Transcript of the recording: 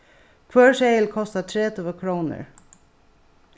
hvør seðil kostar tretivu krónur